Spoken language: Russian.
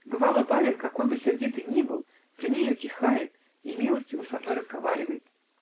Бывало, барин, какой бы сердитый ни был, при ней утихает и милостиво со мною разговаривает.